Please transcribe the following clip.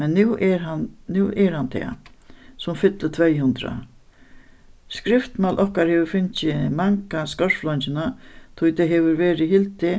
men nú er hann nú er hann tað sum fyllir tvey hundrað skriftmál okkara hevur fingið manga skortfleingjuna tí tað hevur verið hildið